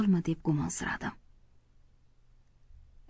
deb gumonsiradim